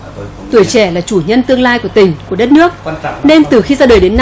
tuổi trẻ là chủ nhân tương lai của tỉnh của đất nước nên từ khi ra đời đến